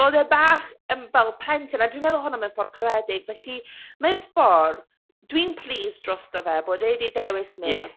Oedd e bach yym fel plentyn, a dwi’n meddwl hwnna mewn ffordd caredig felly, mewn ffordd dwi’n pleased drosto fe bod e 'di dewis mynd... Ie.